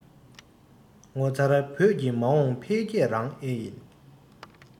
ངོ མཚར བོད ཀྱི མ འོངས འཕེལ རྒྱས རང ཨེ ཡིན